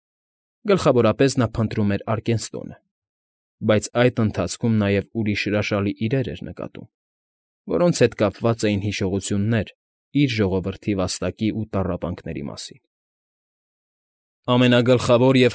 Գլխավորապես նա փնտրում էր Արկենստոնը, բայց այդ ընթացքում նաև ուրիշ հրաշալի իրեր էր նկատում, որոնց հետ կապված էին հիշողություններ իր ժողովրդի վաստակի ու տառապանքների մասին։ ֊ Ամենագլխավոր և։